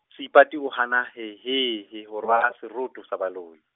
Seipati o hana hehehe, ho rwala seroto sa boloyi.